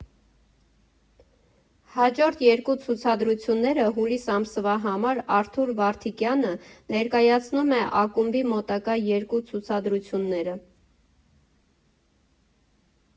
Հաջորդ երկու ցուցադրությունները հուլիս ամսվա համար Արթուր Վարդիկյանը ներկայացնում է ակումբի մոտակա երկու ցուցադրությունները.